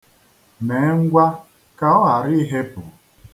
Mee ngwa ka ọ ghara ihepu.